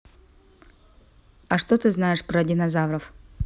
а что ты знаешь про динозавров